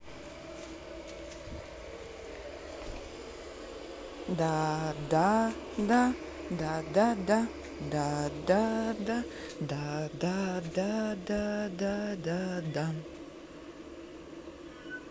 да да да да да да да да да дадададададада